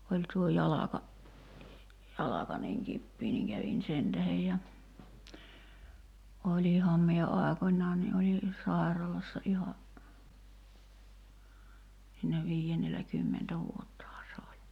oli tuo jalka jalka niin kipeä niin kävin sen tähden ja olinhan minä aikoinaan niin olin sairaalassa ihan siinä viidennellä kymmentä vuottahan se oli